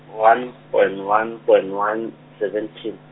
one, point one, point one, seventeen.